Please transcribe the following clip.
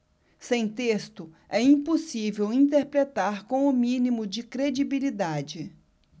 sem texto é impossível interpretar com o mínimo de credibilidade